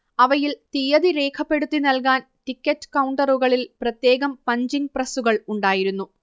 അവയിൽ തിയ്യതി രേഖപ്പെടുത്തി നൽകാൻ ടിക്കറ്റ് കൗണ്ടറുകളിൽ പ്രത്യേകം പഞ്ചിങ് പ്രസ്സുകൾ ഉണ്ടായിരുന്നു